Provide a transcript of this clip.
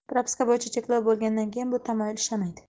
propiska bo'yicha cheklov bo'lgandan keyin bu tamoyil ishlamaydi